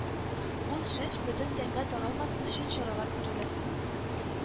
Ул шеш бөтен тәнгә таралмасын өчен чаралар күрелер